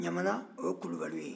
ɲamana o ye kulubaliw ye